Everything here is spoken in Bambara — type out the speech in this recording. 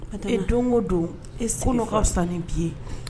Don o don e ko' ka san bi ye